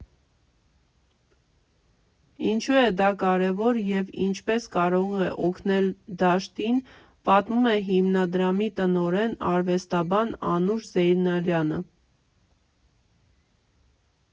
Ինչու է դա կարևոր և ինչպես կարող է օգնել դաշտին՝ պատմում է հիմնադրամի տնօրեն, արվեստաբան Անուշ Զեյնալյանը։